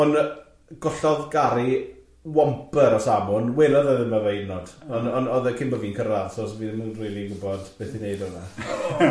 Ond gollodd Gary, wampyr o salmon, welodd e ddim e hydnôd, ond ond oedd e cyn bo' fi'n cyrraedd, so so fi ddim yn rili gwbod beth i wneud da fe.